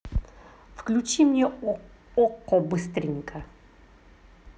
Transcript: включи мне окко быстренько